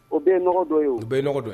O bɛɛ ye ye o bɛɛ yeɔgɔ dɔn ye